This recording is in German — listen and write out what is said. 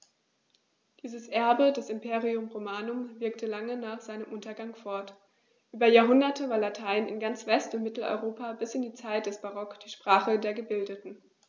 Dieses Erbe des Imperium Romanum wirkte lange nach seinem Untergang fort: Über Jahrhunderte war Latein in ganz West- und Mitteleuropa bis in die Zeit des Barock die Sprache der Gebildeten.